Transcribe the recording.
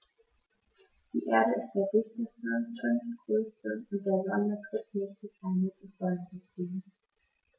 Die Erde ist der dichteste, fünftgrößte und der Sonne drittnächste Planet des Sonnensystems.